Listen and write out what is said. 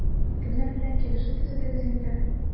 Кемнәр белән килешү төзедегез инде?